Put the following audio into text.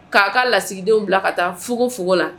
K'a ka lasigidenw bila ka taa fugufugu la